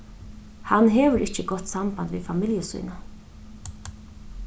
hann hevur ikki gott samband við familju sína